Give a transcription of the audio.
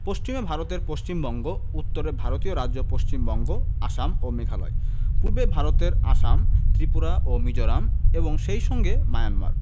পশ্চিমে ভারতের পশ্চিমবঙ্গ উত্তরে ভারতীয় রাজ্য পশ্চিমবঙ্গ আসাম ও মেঘালয় পূর্বে ভারতের আসাম ত্রিপুরা ও মিজোরাম এবং সেই সঙ্গে মায়ানমার